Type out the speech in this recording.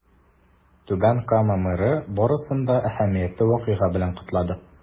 Түбән Кама мэры барысын да әһәмиятле вакыйга белән котлады.